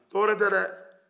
dɔwɛrɛ tɛ dɛ